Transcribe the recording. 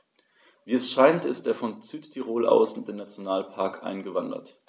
Wie es scheint, ist er von Südtirol aus in den Nationalpark eingewandert.